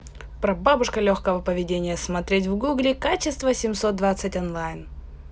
прабабушка легкого поведения смотреть в гугле качество семьсот двадцать онлайн